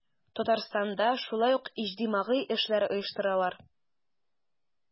Татарстанда шулай ук иҗтимагый эшләр оештыралар.